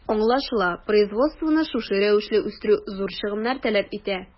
Аңлашыла, производствоны шушы рәвешле үстерү зур чыгымнар таләп итә.